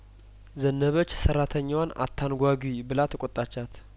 ዘነበች ሰራተኛዋን አታንጓጉ ብላ ተቆጣቻት